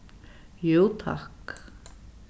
jú takk